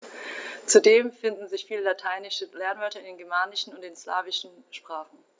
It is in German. Zudem finden sich viele lateinische Lehnwörter in den germanischen und den slawischen Sprachen.